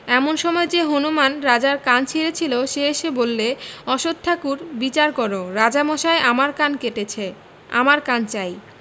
এমন সময় যে হনুমান রাজার কান ছিঁড়েছিল সে এসে বললেঅশ্বথ ঠাকুর বিচার কররাজামশায় আমার কান কেটেছে আমার কান চাই